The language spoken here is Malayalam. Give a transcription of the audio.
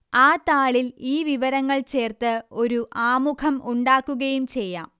ആ താളിൽ ഈ വിവരങ്ങൾ ചേർത്ത് ഒരു ആമുഖം ഉണ്ടാക്കുകയും ചെയ്യാം